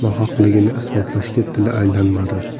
mahbubaning nohaqligini isbotlashga tili aylanmadi